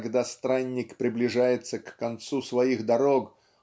когда странник приближается к концу своих дорог